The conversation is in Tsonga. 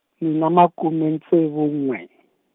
ni na makume ntsevu n'we.